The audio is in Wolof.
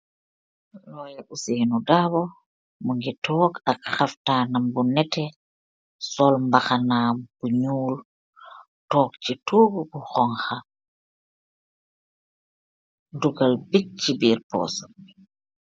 Ki moui oussainou darboe, muggi tok ce gaw toguu sol haftanam bu nehteh ak bahna am bu nyeyul tok ce togu bu honk ka dugal bikk ce birr posam